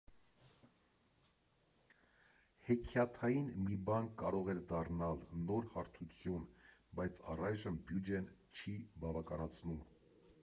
Հեքիաթային մի բան կարող էր դառնալ, նոր հարթություն, բայց առայժմ բյուջեն չի բավականացնում։